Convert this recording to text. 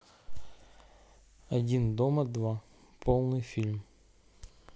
один дома два полный фильм